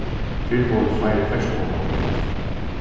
fyrr vóru fleiri ferðsluóhapp